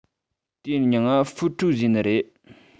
དེའི མྱིང ང ཧྥུའུ ཁྲུག ཟེར ནི རེད